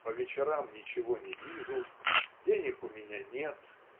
по вечерам ничего не вижу денег у меня нет